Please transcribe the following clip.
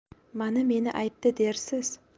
mana meni aytdi dersiz